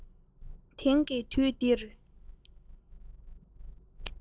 དེས ང ལ སྐུལ སློང གི ནུས པ ཤུགས ཆེན ཐོན གྱི འདུག